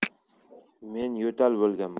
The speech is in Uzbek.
men yo'tal bo'lganman